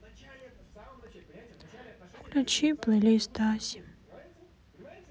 включи плейлист аси